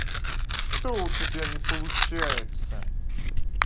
что у тебя не получается